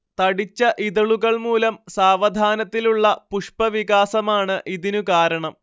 തടിച്ച ഇതളുകൾ മൂലം സാവധാനത്തിലുള്ള പുഷ്പവികാസമാണ് ഇതിന് കാരണം